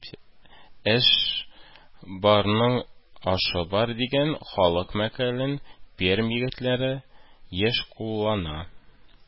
Эше барның ашы бар” дигән халык мәкален Пермь егетләре яшь куллана